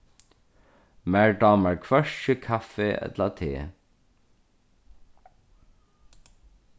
mær dámar hvørki kaffi ella te